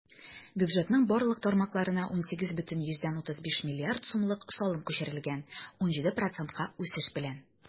Бюджетның барлык тармакларына 18,35 млрд сумлык салым күчерелгән - 17 процентка үсеш белән.